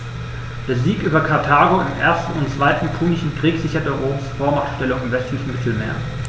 Der Sieg über Karthago im 1. und 2. Punischen Krieg sicherte Roms Vormachtstellung im westlichen Mittelmeer.